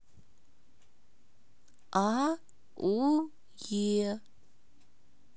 а у е